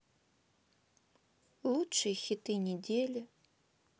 лучшие хиты недели